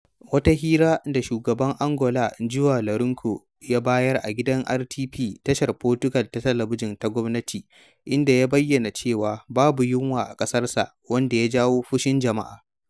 Wata hira da Shugaban Angola João Lourenço ya bayar a gidan RTP, tashar Portugal ta talabijin ta gwamnati, inda ya bayyana cewa babu yunwa a ƙasarsa, wanda ya jawo fushin jama’a.